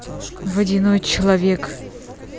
водяной человек